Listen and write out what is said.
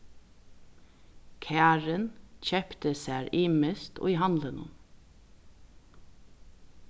karin keypti sær ymiskt í handlinum